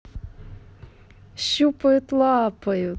щупают лапают